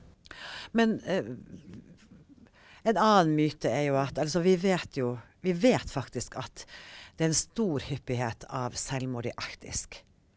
men en annen myte er jo at altså vi vet jo vi vet faktisk at det er en stor hyppighet av selvmord i arktisk.